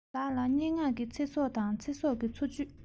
བདག ལ སྙན ངག གི ཚེ སྲོག དང ཚེ སྲོག གི འཚོ བཅུད